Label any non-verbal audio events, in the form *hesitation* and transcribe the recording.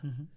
*hesitation* *hesitation*